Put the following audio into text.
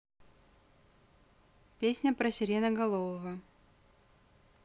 песня про сиреноголового